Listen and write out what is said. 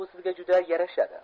bu sizga juda yarashadi